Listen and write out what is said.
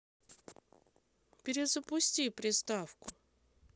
перезапусти приставку